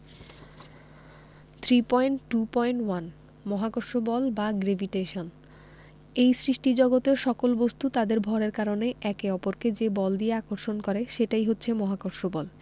3.2.1 মহাকর্ষ বল বা গ্রেভিটেশন এই সৃষ্টিজগতের সকল বস্তু তাদের ভরের কারণে একে অপরকে যে বল দিয়ে আকর্ষণ করে সেটাই হচ্ছে মহাকর্ষ বল